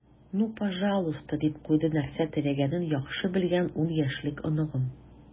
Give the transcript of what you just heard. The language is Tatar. "ну пожалуйста," - дип куйды нәрсә теләгәнен яхшы белгән ун яшьлек оныгым.